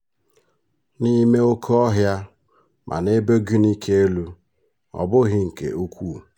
N'ime oke ọhịa ma n'ebe Guinea Ka Elu, ọ bughị nke ukwuu.